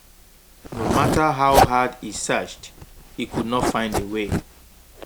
No matter how hard he searched, he could not find a way.